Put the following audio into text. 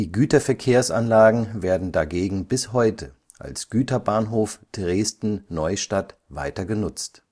Güterverkehrsanlagen werden dagegen bis heute als Güterbahnhof Dresden-Neustadt weiter genutzt